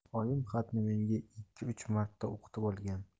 oyim xatni menga ikki uch marta o'qitib olgan